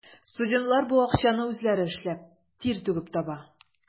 Студентлар бу акчаны үзләре эшләп, тир түгеп таба.